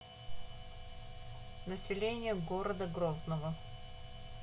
население города грозного